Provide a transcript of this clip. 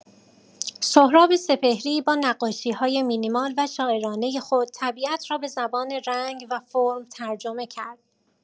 سهراب سپهری با نقاشی‌های مینیمال و شاعرانه خود، طبیعت را به زبان رنگ و فرم ترجمه کرد.